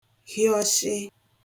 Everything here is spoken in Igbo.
hịọshị